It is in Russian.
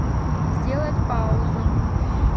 сделать паузу